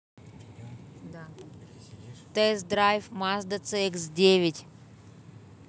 тест драйв мазда ц икс девять